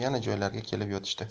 yana joylariga kelib yotishdi